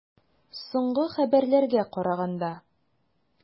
Соңгы хәбәрләргә караганда.